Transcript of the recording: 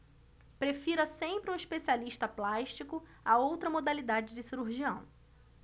prefira sempre um especialista plástico a outra modalidade de cirurgião